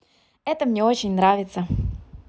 это мне очень нравится